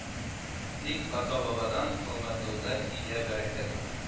Тик ата-бабадан калмәтуллаһи үә бәрәкәтүһ